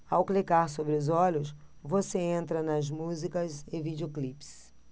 ao clicar sobre os olhos você entra nas músicas e videoclipes